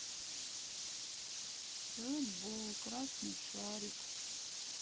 ред бол красный шарик